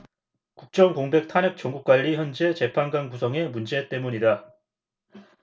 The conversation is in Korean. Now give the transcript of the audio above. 국정 공백 탄핵 정국 관리 헌재 재판관 구성의 문제 때문이다